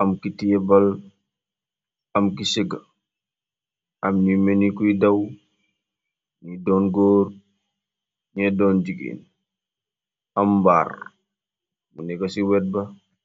Am ki tiye bal am ki siga am ñu meni kuy daw ñuy doon góor. Ñee doon jigeen am mbaar mu néga ci wet ba.